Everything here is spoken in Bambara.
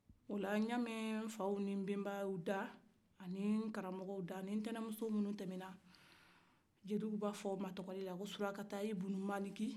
o la ɲa mɛ nfaw ni nbenbaw da ani karamɔgɔw da ani ntɛninmuso minu tɛmɛ na jeli b'a fɔ cogomin na ko sulakata ibun maliki